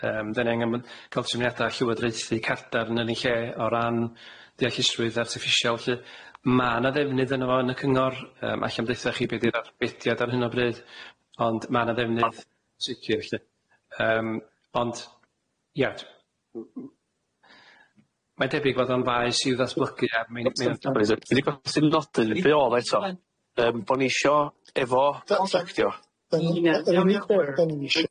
Yym 'dan ni angan ma'n ca'l trefniada llywodraethu cardarn yn ei lle o ran ddeallusrwydd artiffisial lly. Ma' 'na ddefnydd yno fo yn y cyngor yym allai'm ddeutha chi be' di'r arbediad ar hyn o bryd ond ma' 'na ddefnydd sicir lly yym ond ia m- m- mae'n debyg fod o'n faes i'w ddatblygu ar meini- mei-